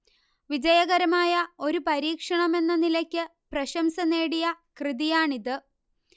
വിജയകരമായ ഒരു പരീക്ഷണമെന്ന നിലയ്ക്ക് പ്രശംസ നേടിയ കൃതിയാണിത്